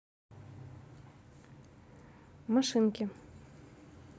машинки